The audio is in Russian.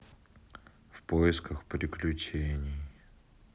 в поисках приключений